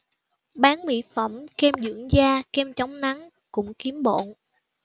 bán mỹ phẩm kem dưỡng da kem chống nắng cũng kiếm bộn